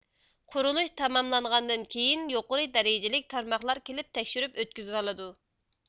قۇرۇلۇش تاماملانغاندىن كېيىن يۇقىرى دەرىجىلىك تارماقلار كېلىپ تەكشۈرۈپ ئۆتكۈزۈۋالىدۇ